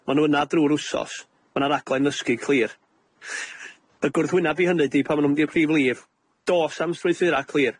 Ma' nw yna drw'r wsos. Ma' 'na raglen ddysgu clir. Y gwrthwyneb i hynny 'di pan ma' nw'n mynd i'r prif lif, do's 'a'm strwythura' clir.